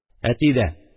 Әти дә